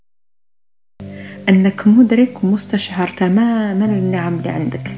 انكودر كم مستشعر تمام نعم